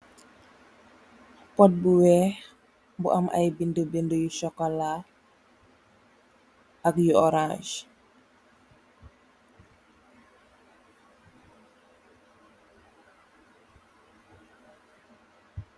Pot bu wèèx bu am ay bindi bindi yu sokola ak yu orans.